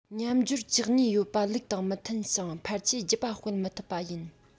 མཉམ སྦྱོར བཅུ གཉིས ཡོད པ ལུགས དང མི མཐུན ཞིང ཕལ ཆེར རྒྱུད པ སྤེལ མི ཐུབ པ ཡིན